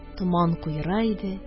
Томан куера иде